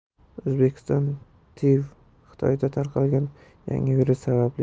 o'zbekiston tiv xitoyda tarqalgan yangi virus sababli